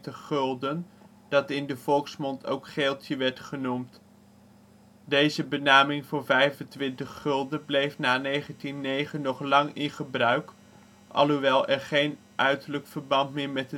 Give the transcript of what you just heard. gulden dat in de volksmond ook ' geeltje ' werd genoemd. Deze benaming voor 25 gulden bleef na 1909 nog lang in gebruik, alhoewel er geen uiterlijk verband meer met